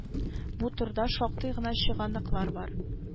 Бу турыда шактый гына чыганаклар бар